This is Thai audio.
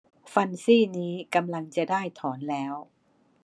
ฟันซี่นี้กำลังจะได้ถอนแล้ว